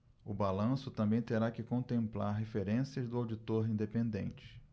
o balanço também terá que contemplar referências do auditor independente